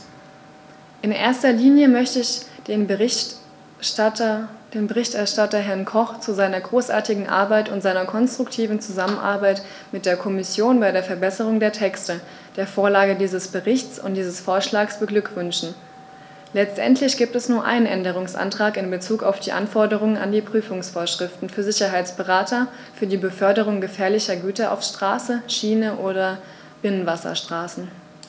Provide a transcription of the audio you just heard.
In erster Linie möchte ich den Berichterstatter, Herrn Koch, zu seiner großartigen Arbeit und seiner konstruktiven Zusammenarbeit mit der Kommission bei der Verbesserung der Texte, der Vorlage dieses Berichts und dieses Vorschlags beglückwünschen; letztendlich gibt es nur einen Änderungsantrag in bezug auf die Anforderungen an die Prüfungsvorschriften für Sicherheitsberater für die Beförderung gefährlicher Güter auf Straße, Schiene oder Binnenwasserstraßen.